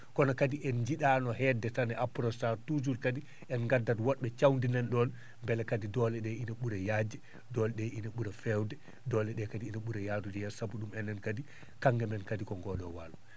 kono kadi en nji?aano hedde tan e prono (apronstar ) toujours kadi en gaddat woɓ?e cawdinen ?on mbele kadi doole ?e ina ?ura yaajde doole ?e ina ?ura feewde doole ?e kadi ine ?ura yaarude yeeso sabu ?um enen kadi kaŋŋe men kadi ko ngoo ?oo waalo